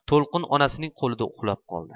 to'lqin onasining qo'lida uxlab qoldi